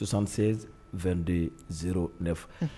Sonsansen2de ne fɛ